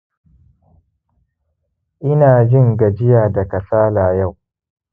ina jin gajiya da kasala yau